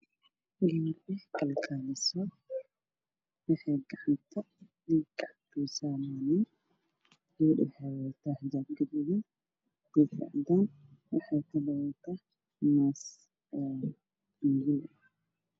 Waxaa ii muuqda gabar wadato geedka lagu baaro bilod presser-ka iyo wiil wato shaar madow iyo caddaan ah gabadhan waxay wadataa xijaabo guduudan